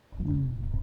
mm